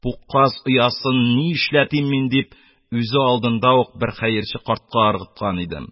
Бу каз оясын ни эшләтим мин, дип, үзе алдында ук бер хәерче картка ыргыткан идем.